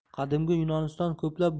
qadimgi yunoniston ko'plab